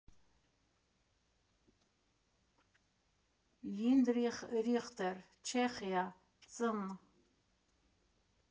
Յինդրիխ Րիխտեր (Չեխիա, ծն.